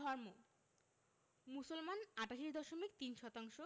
ধর্ম মুসলমান ৮৮দশমিক ৩ শতাংশ